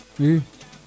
i